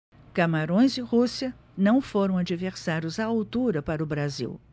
camarões e rússia não foram adversários à altura para o brasil